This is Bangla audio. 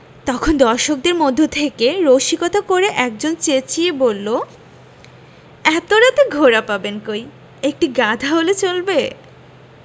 তখন দর্শকদের মধ্য থেকে রসিকতা করে একজন চেঁচিয়ে বললো এত রাতে ঘোড়া পাবেন কই একটি গাধা হলে চলবে